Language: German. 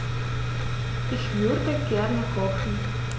Ich würde gerne kochen.